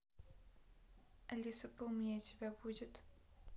алиса поумнее тебя будет